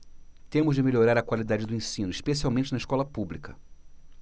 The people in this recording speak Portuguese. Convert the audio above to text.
temos de melhorar a qualidade do ensino especialmente na escola pública